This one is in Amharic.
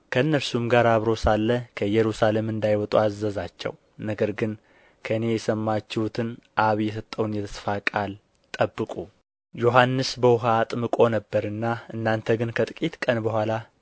ከእነርሱም ጋር አብሮ ሳለ ከኢየሩሳሌም እንዳይወጡ አዘዛቸው ነገር ግን ከእኔ የሰማችሁትን አብ የሰጠውን የተስፋ ቃል ጠብቁ ዮሐንስ በውኃ አጥምቆ ነበርና እናንተ ግን ከጥቂት ቀን በኃላ